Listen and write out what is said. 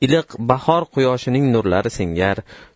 iliq bahor quyoshining nurlari singar